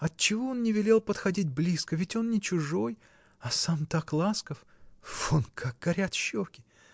— Отчего он не велел подходить близко, ведь он не чужой? А сам так ласков. Вон как горят щеки!